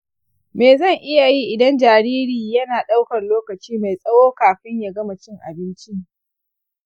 me zan iya yi idan jariri yana ɗaukar lokaci mai tsawo kafin ya gama cin abinci?